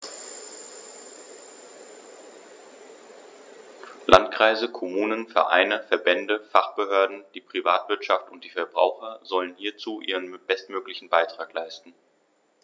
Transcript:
Landkreise, Kommunen, Vereine, Verbände, Fachbehörden, die Privatwirtschaft und die Verbraucher sollen hierzu ihren bestmöglichen Beitrag leisten.